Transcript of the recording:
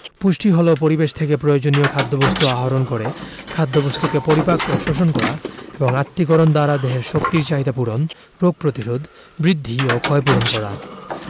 পুষ্টি হলো পরিবেশ থেকে প্রয়োজনীয় খাদ্যবস্তু আহরণ করে খাদ্যবস্তুকে পরিপাক ও শোষণ করা এবং আত্তীকরণ দ্বারা দেহের শক্তির চাহিদা পূরণ রোগ প্রতিরোধ বৃদ্ধি ও ক্ষয়পূরণ করা